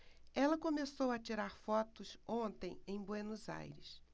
ela começou a tirar fotos ontem em buenos aires